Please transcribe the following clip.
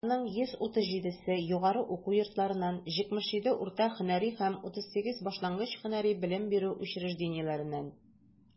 Аларның 137 се - югары уку йортларыннан, 77 - урта һөнәри һәм 38 башлангыч һөнәри белем бирү учреждениеләреннән.